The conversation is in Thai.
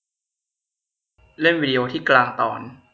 เล่นวีดิโอที่กลางตอน